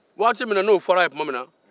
wagati min n'o fɔra a ye tuma min na